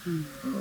Un